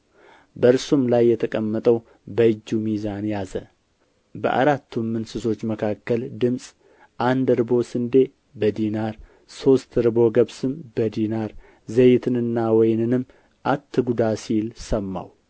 በእርሱም ላይ የተቀመጠው በእጁ ሚዛን ያዘ በአራቱም እንስሶች መካከል ድምፅ አንድ እርቦ ስንዴ በዲናር ሦስት እርቦ ገብስም በዲናር ዘይትንና ወይንንም አትጕዳ ሲል ሰማሁ